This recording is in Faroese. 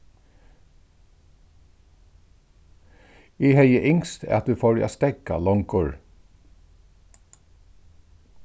eg hevði ynskt at vit fóru at steðga longur